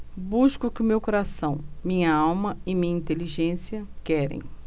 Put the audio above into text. busco o que meu coração minha alma e minha inteligência querem